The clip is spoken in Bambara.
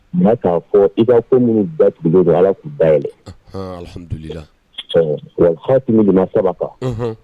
N ma k'a fɔ i ka ko minnu ba don ala k'u ba yɛlɛ ha tun bɛ saba kan